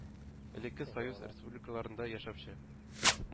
Элекке союз республикаларында яшәүче,